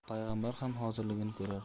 payg'ambar ham hozirligini ko'rar